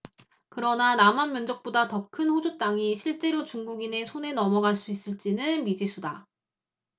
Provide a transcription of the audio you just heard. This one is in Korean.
그러나 남한 면적보다 더 큰 호주 땅이 실제로 중국인의 손에 넘어갈 수 있을 지는 미지수다